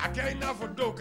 A kɛra'a fɔ dɔw kan